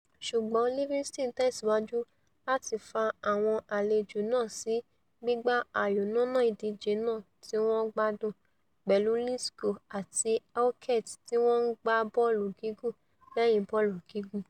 Ṣùgbọn Livinston tẹ̀síwájú láti fa àwọn àlejò náà sí gbígbá ayò lọ́nà ìdíje náà tíwọ́n gbádùn, pẹ̀lú Lithgow àti Halkett tíwọ́n ńgbá bọ́ọ̀lù gígùn lẹ́yìn bọ́ọ̀lù gígùn.